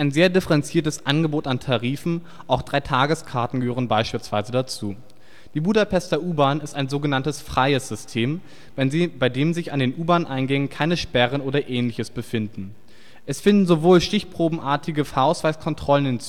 sehr differenziertes Angebot an Tarifen, auch Drei-Tages-Karten gehören beispielsweise dazu. Die Budapester U-Bahn ist ein so genanntes „ freies System”, bei dem sich an den U-Bahn-Eingängen keine Sperren oder ähnliches befinden. Es finden sowohl stichprobenartige Fahrausweiskontrollen